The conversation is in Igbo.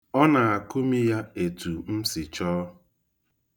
Ọ na-akụmi ya etu m si chọọ.